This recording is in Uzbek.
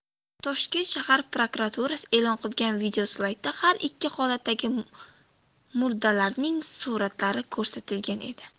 toshkent shahar prokuraturasi e'lon qilgan videoslaydda har ikki holatdagi murdalarning suratlari ko'rsatilgan edi